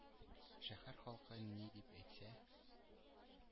“шәһәр халкы ни дип әйтсә,